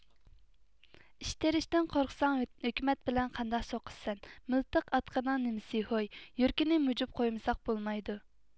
ئىش تېرىشتىن قورقساڭ ھۆكۈمەت بىلەن قانداق سوقۇشىسەن مىلتىق ئاتقىنىڭ نېمىسى ھوي يۈرىكىنى موجۇپ قويمىساق بولمايدۇ